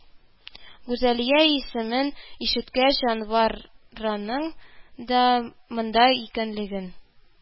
Гүзәлия исемен ишеткәч, Әнвәр аның да монда икәнлеген